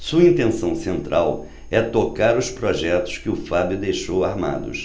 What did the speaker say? sua intenção central é tocar os projetos que o fábio deixou armados